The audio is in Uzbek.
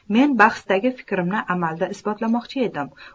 men bahsdagi fikrimni amalda isbotlamoqchi edim